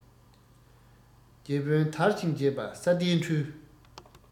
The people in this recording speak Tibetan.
རྗེ དཔོན དར ཞིང རྒྱས པ ས སྡེའི འཕྲུལ